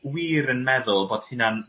wir yn meddwl bod hyna'n